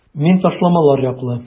Мин ташламалар яклы.